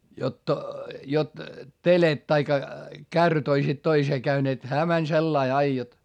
jotta jotta telekat tai kärryt olisivat toiseen käyneet hän meni sillä lailla aina jotta